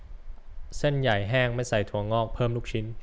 เส้นใหญ่แห้งไม่ใส่ถั่วงอกเพิ่มลูกชิ้น